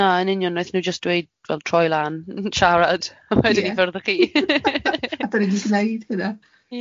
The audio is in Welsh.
Na, yn union. Wnaethon nhw jyst dweud, wel, troi lan, siarad, a wedyn ie i fyrddach chi. A dan ni jyst yn wneud hynna.